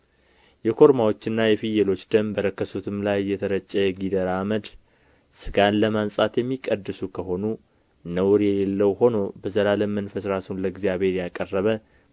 የኮርማዎችና የፍየሎች ደም በረከሱትም ላይ የተረጨ የጊደር አመድ ሥጋን ለማንጻት የሚቀድሱ ከሆኑ ነውር የሌለው ሆኖ በዘላለም መንፈስ ራሱን ለእግዚአብሔር ያቀረበ